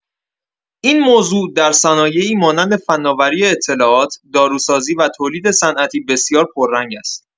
این موضوع در صنایعی مانند فناوری اطلاعات، داروسازی و تولید صنعتی بسیار پررنگ است.